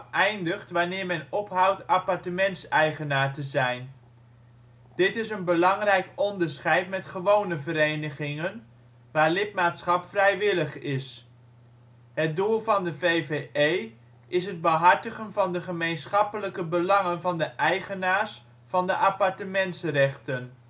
eindigt wanneer men ophoudt appartementseigenaar te zijn. Dit is een belangrijk onderscheid met gewone verenigingen, waar lidmaatschap vrijwillig is. Het doel van de VvE is het behartigen van de gemeenschappelijke belangen van de eigenaars van de appartementsrechten